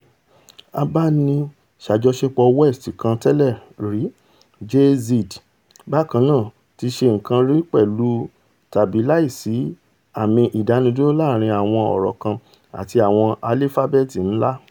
Abániṣàjọṣepọ̀ West kan tẹ́lẹ̀rí, JAY-Z, bákannáà ti ṣe nǹkan rí pẹ̀lú tàbi láìsí àmì ìdánudúró láàrin àwọn ọ̀rọ̀ kan àti àwọn álífábẹ̵́ẹ̀tì ńlá.